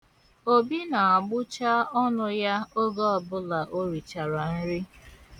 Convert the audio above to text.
Obi na-agbụcha ọnụ ya oge ọbụla o richara nri.